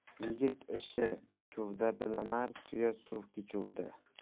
yigit ishi bichuvda bilinar tuya suv kechuvda